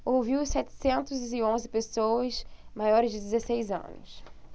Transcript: ouviu setecentos e onze pessoas maiores de dezesseis anos